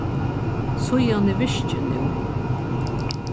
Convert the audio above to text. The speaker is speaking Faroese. síðan er virkin nú